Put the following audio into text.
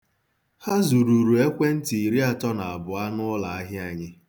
Ha zururu ekwentị iriatọ na abụọ n'ụlọahịa anyị.